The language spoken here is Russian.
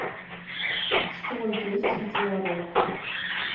что есть единорог